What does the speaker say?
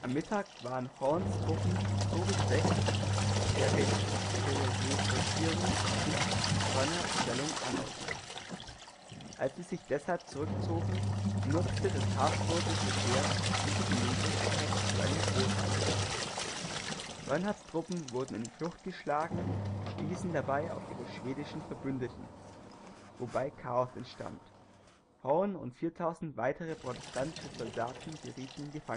Mittag waren Horns Truppen so geschwächt, dass er ihre Regruppierung hinter Bernhards Stellungen anordnete. Als sie sich deshalb zurückzogen, nutzte das habsburgische Heer diese Gelegenheit zu einem Großangriff. Bernhards Truppen wurden in die Flucht geschlagen und stießen dabei auf ihre schwedischen Verbündeten, wobei ein Chaos entstand. Horn und 4.000 weitere protestantische Soldaten gerieten in Gefangenschaft. Während